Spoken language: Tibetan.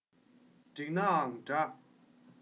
འགྲིག ནའང འདྲ